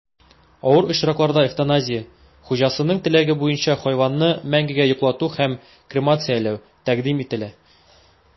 Авыр очракларда эвтаназия (хуҗасының теләге буенча хайванны мәңгегә йоклату һәм кремацияләү) тәкъдим ителә.